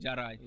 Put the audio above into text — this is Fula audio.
jaraani